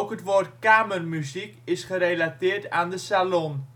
het woord kamermuziek is gerelateerd aan de salon